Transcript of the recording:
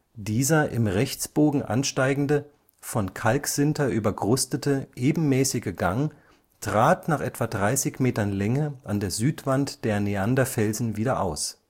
Dieser im Rechtsbogen ansteigende, von Kalksinter überkrustete, ebenmäßige Gang trat nach etwa 30 Metern Länge an der Südwand der Neanderfelsen wieder aus